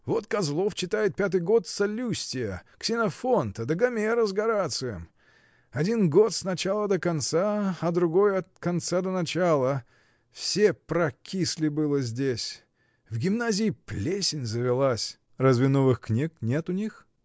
Вон Козлов читает пятый год Саллюстия, Ксенофонта да Гомера с Горацием: один год с начала до конца, а другой от конца до начала — все прокисли было здесь. В гимназии плесень завелась. — Разве новых книг нет у них?